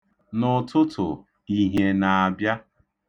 N'ụtụtụ, ihie na-abịa.